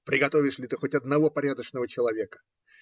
Приготовишь ли ты хоть одного порядочного человека?